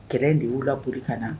Kɛlɛ de y'u la boli ka na